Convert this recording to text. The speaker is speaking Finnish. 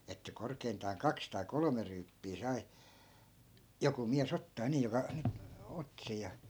että korkeintaan kaksi tai kolme ryyppyä sai joku mies ottaa niin joka nyt otti sen ja